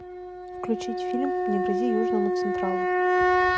включить фильм не грози южному централу